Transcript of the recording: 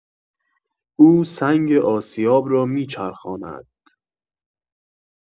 او سنگ آسیاب را می‌چرخاند